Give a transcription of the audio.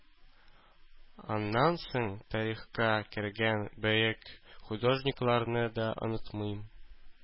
Аннан соң тарихка кергән бөек художникларны да онытмыйк.